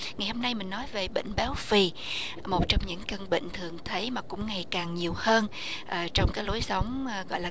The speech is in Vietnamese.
ngày hôm nay mình nói về bệnh béo phì một trong những căn bệnh thường thấy mà cũng ngày càng nhiều hơn ở trong cái lối sống mà gọi là